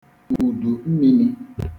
udu mmirī